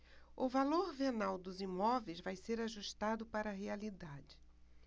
o valor venal dos imóveis vai ser ajustado para a realidade